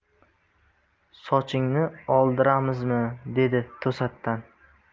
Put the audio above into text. sochingni oldiramizmi dedi to'satdan